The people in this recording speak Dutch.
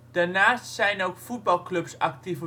Daarnaast zijn ook voetbalclubs actief